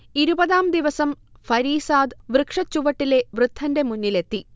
ഇരുപതാം ദിവസം ഫരീസാദ്, വൃക്ഷച്ചുവട്ടിലെ വൃദ്ധന്റെ മുന്നിലെത്തി